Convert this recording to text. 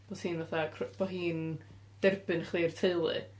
bod hi'n fatha cro- bod hi'n, derbyn chdi i'r teulu.